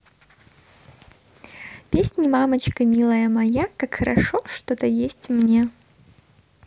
песни мамочка милая мама моя как хорошо что то есть мне